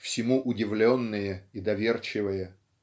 всему удивленные и доверчивые.